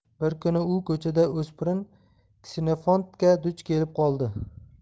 bir kuni u ko'chada o'spirin ksenofantga duch kelib qoldi